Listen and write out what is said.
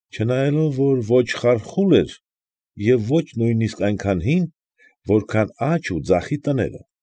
Չնայելով, որ ո՛չ խարխուլ էր և ո՛չ նույնիսկ այնքան հին, որքան աջ ու ձախի տները։